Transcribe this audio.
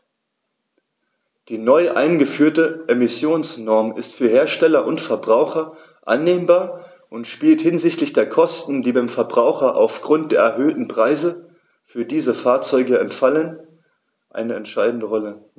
Die neu eingeführte Emissionsnorm ist für Hersteller und Verbraucher annehmbar und spielt hinsichtlich der Kosten, die beim Verbraucher aufgrund der erhöhten Preise für diese Fahrzeuge anfallen, eine entscheidende Rolle.